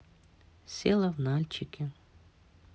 село в нальчике